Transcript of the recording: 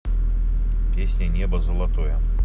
песня небо золотое